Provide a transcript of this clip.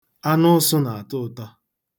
Anụ ụsụ na-atọ ụtọ.